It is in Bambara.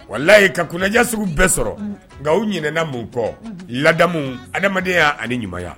Wa layi ka kunnaja sugu bɛɛ sɔrɔ nka u ɲna munp ladamu adamadenya y' ani ɲumanya